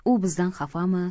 u bizdan xafami